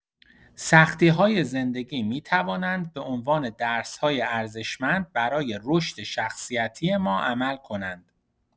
سختی‌های زندگی می‌توانند به عنوان درس‌های ارزشمند برای رشد شخصیتی ما عمل کنند.